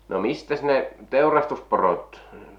no mistäs ne teurastusporot